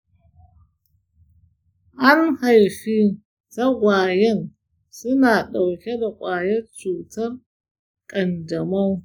an haifi tagwayena suna ɗauke da kwayar cutar kanjamau.